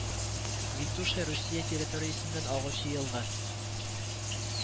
Витуша Русия территориясеннән агучы елга